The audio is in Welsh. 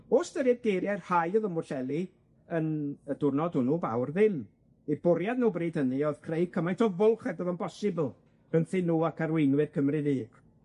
O ystyried geirie rhai o'dd ym Mwllheli yn y diwrnod wnnw fawr ddim, eu bwriad nw bryd hynny o'dd creu cymaint o fwlch ag o'dd yn bosibl rhwngthyn nw ac arweinwyr Cymru Fydd.